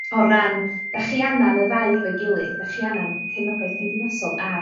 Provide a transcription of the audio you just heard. O ran 'dach chi angan y ddau hefo'i gilydd 'dach chi angan cefnogaeth cymdeithasol a